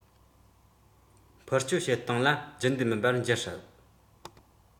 འཕུར སྐྱོད བྱེད སྟངས ལ རྒྱུན ལྡན མིན པར འགྱུར སྲིད